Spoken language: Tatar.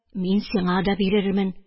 Мин сиңа да бирермен...